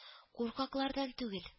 Куркаклардан түгел